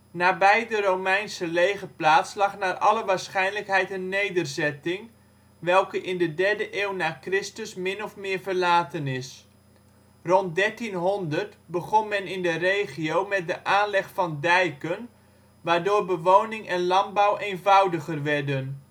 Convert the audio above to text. Nabij de romeinse legerplaats lag naar alle waarschijnlijkheid een nederzetting, welke in de derde eeuw na christus min of meer verlaten is. Rond 1300 begon men in de regio met de aanleg van dijken waardoor bewoning en landbouw eenvoudiger werden